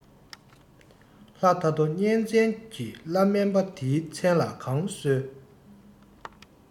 ལྷ ཐོ ཐོ གཉན བཙན གྱི བླ སྨན པ དེའི མཚན ལ གང གསོལ